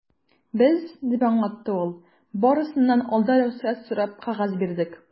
Без, - дип аңлатты ул, - барысыннан алда рөхсәт сорап кәгазь бирдек.